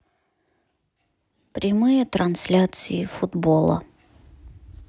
прямые трансляции футбола